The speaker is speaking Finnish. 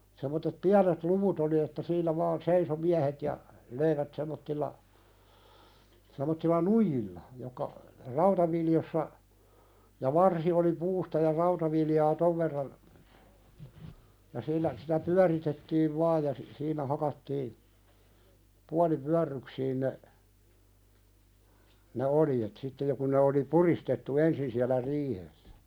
semmoiset pienet luvut oli että siinä vain seisoi miehet ja löivät semmoisella semmoisella nuijilla jotka rautaviljossa ja varsi oli puusta ja rautaviljaa - tuon verran ja sillä sitä pyöritettiin vain ja - siinä hakattiin puolipyörryksiin ne ne oljet sitten jo kun ne oli puristettu ensin siellä riihessä